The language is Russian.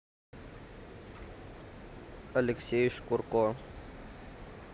алексей шкурко